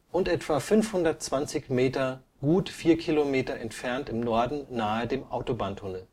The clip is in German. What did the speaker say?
und etwa 520 Meter gut vier Kilometer entfernt im Norden nahe dem Autobahntunnel